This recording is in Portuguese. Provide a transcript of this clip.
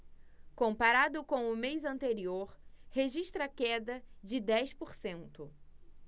comparado com o mês anterior registra queda de dez por cento